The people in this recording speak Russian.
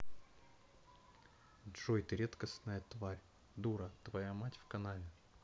джой ты редкостная тварь дура твоя мать в канаве